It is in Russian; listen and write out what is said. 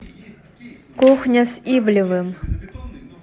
кухня с ивлевым